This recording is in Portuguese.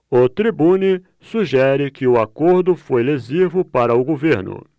o tribune sugere que o acordo foi lesivo para o governo